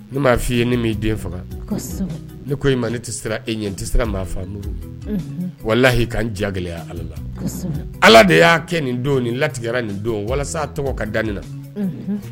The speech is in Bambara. Ne m'a f'i ye ni m'i den faga, ne ko i ma ne tɛ siran e ɲɛ n tɛ siran maafaamuru, unhun, walahi ka n ja gɛlɛya Ala la, kosɛbɛ, Ala de y'a kɛ nin don nin latigɛra nin don walasa tɔgɔ ka dan ne na